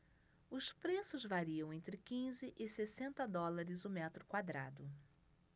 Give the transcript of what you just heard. os preços variam entre quinze e sessenta dólares o metro quadrado